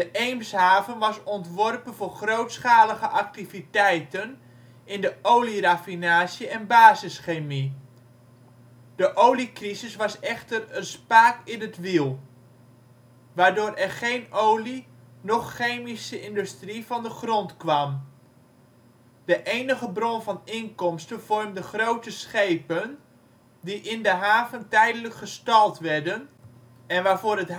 Eemshaven was ontworpen voor grootschalige activiteiten in de olieraffinage en basischemie. De oliecrisis was echter een spaak in het wiel, waardoor er geen olie - noch chemische industrie van de grond kwam. De enige bron van inkomsten vormden (grote) schepen, die in de haven tijdelijk gestald werden (en waarvoor het